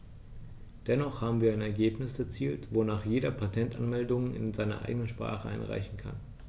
Dennoch haben wir ein Ergebnis erzielt, wonach jeder Patentanmeldungen in seiner eigenen Sprache einreichen kann.